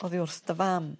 Oddi wrth dy fam